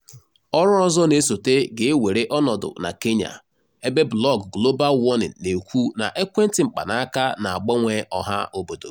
Ọrụ ọzọ na-esote ga-ewere ọnọdụ na Kenya, ebe blọọgụ Global Warming na-ekwu na ekwentị mkpanaaka na-agbanwe ọha obodo.